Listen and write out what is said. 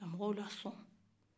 ka mɔgɔw la sɔn